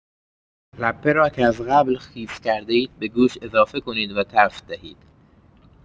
لپه را که از قبل خیس کرده‌اید، به گوشت اضافه کنید و تفت دهید.